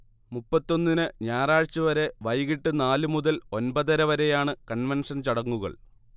മുപ്പത്തൊന്നിന് ഞായറാഴ്ചവരെ വൈകീട്ട് നാല് മുതൽ ഒൻപതരവരെയാണ് കൺവെൻഷൻ ചടങ്ങുകൾ